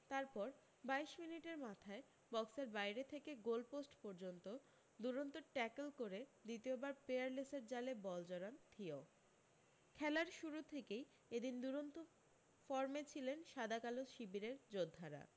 তারপর বাইশ মিনিটের মাথায় বক্সের বাইরে থেকে গোল পোস্ট পর্যন্ত দুরন্ত ট্যাকল করে দ্বিতীয়বার পিয়ারলেসের জালে বল জড়ান থিও খেলার শুরু থেকেই এদিন দুরন্ত ফর্মে ছিলেন সাদা কালো শিবিরের যোদ্ধারা